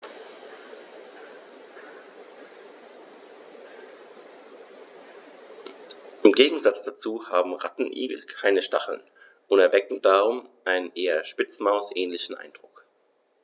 Im Gegensatz dazu haben Rattenigel keine Stacheln und erwecken darum einen eher Spitzmaus-ähnlichen Eindruck.